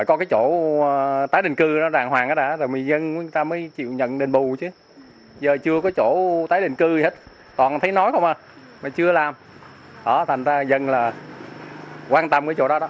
có cái chỗ tái định cư nó đàng hoàng cái đã dân ta mới chịu nhận đền bù chứ giờ chưa có chỗ tái định cư gì hết toàn thấy nói không à mà chưa làm đó thành ra dân là quan tâm cái chỗ đó đó